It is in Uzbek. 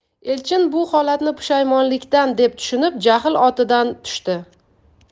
elchin bu holatni pushaymonlikdan deb tushunib jahl otidan tushdi